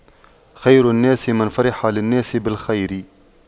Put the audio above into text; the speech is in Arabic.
خير الناس من فرح للناس بالخير